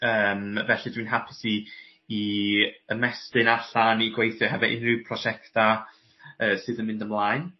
Yym felly dwi'n hapus i i ymestyn allan i gweithio hefo unryw prosiecta yy sydd yn mynd ymlaen.